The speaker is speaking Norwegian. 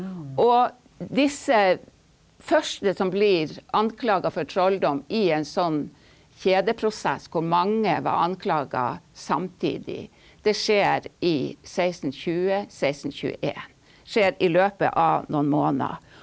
og disse første som blir anklaga for trolldom i en sånn kjedeprosess hvor mange var anklaga samtidig, det skjer i 1620 sekstentjueén, skjer i løpet av noen måneder.